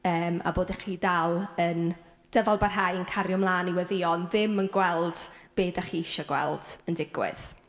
Yym a bod y chi dal yn dyfalbarhau, yn cario mlaen i weddïo ond ddim yn gweld be dach chi isio gweld yn digwydd.